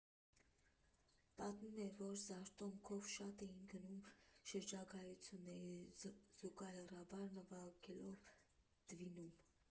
Պատմում է, որ «Զարթոնքով» շատ էին գնում շրջագայությունների, զուգահեռաբար նվագելով «Դվինում»։